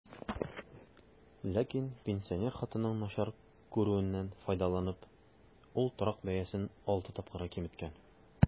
Ләкин, пенсинер хатынның начар күрүеннән файдаланып, ул торак бәясен алты тапкырга киметкән.